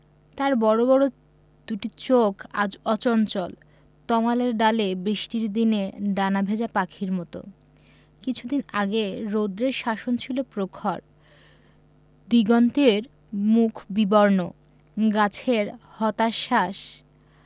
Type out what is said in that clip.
তার বড় বড় দুটি চোখ আজ অচঞ্চল তমালের ডালে বৃষ্টির দিনে ডানা ভেজা পাখির মত কিছুদিন আগে রৌদ্রের শাসন ছিল প্রখর দিগন্তের মুখ বিবর্ণ গাছের হতাশ্বাস